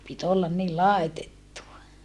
piti olla niin laitettua